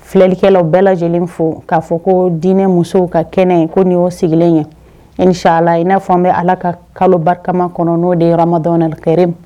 Filɛlikɛlaw bɛɛ lajɛlen fo k'a fɔ ko diinɛ musow ka kɛnɛ ko nin y'o sigilen ye inicaala i n'a fɔ an bɛ Ala ka kalo barikaman kɔnɔ n'o de ye ramadan analikarib